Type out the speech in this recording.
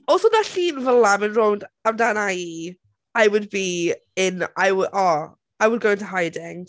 Os oedd 'na llun fel 'a'n mynd rownd amdana i, I would be in... I woul- oh, I would go into hiding.